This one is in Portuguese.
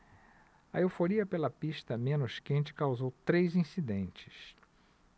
a euforia pela pista menos quente causou três incidentes